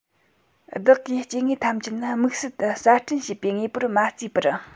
བདག གིས སྐྱེ དངོས ཐམས ཅད ནི དམིགས བསལ དུ གསར སྐྲུན བྱས པའི དངོས པོར མ བརྩིས པར